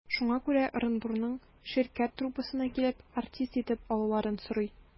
Шуңа күрә Ырынбурның «Ширкәт» труппасына килеп, артист итеп алуларын сорый.